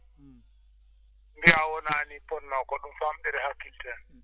mbiyaa wonaa nii fotnoo ko ɗum famɗere hakkille tan